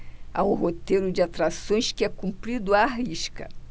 há um roteiro de atrações que é cumprido à risca